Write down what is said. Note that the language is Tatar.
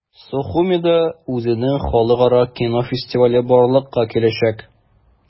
Сухумида үзенең халыкара кино фестивале барлыкка киләчәк.